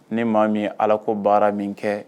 Ni maa min ye ala ko baara min kɛ